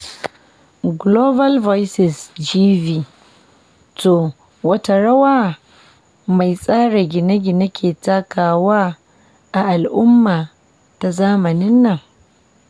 Global Voices (GV): To, wata rawa mai tsara gine-gine ke takawa a al’umma ta zamanin nan?